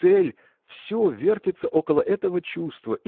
цель – все вертится около этого чувства